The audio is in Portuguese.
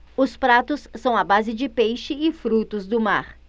os pratos são à base de peixe e frutos do mar